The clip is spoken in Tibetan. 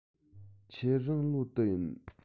ཁྱེད རང ལོ དུ ཡིན